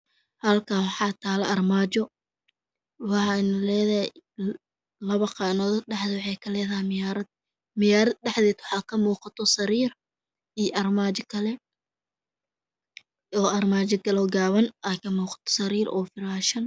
Halkan waxaa taalo armaajo waxayna leedahay labo qaanadood waxay Ka leedahay miyaarad miyaaradd dhexdeeda waxa Ka muuqda sariir iyo armaajo kale oo gaaban sariir oo firaashan